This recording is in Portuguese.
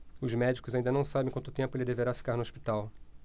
os médicos ainda não sabem quanto tempo ele deverá ficar no hospital